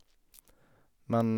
Men...